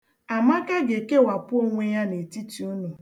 Amaka ga-ekewapụ onwe ya n'etiti unu.